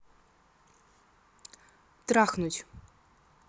трахнуть